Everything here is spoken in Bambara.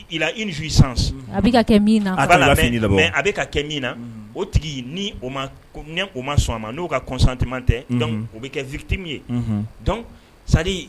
Il a jouissance a bɛ ka kɛ min na o tigi ni o man sɔn a ma n'o ka consentement tɛ donc o bɛ kɛ victime ye.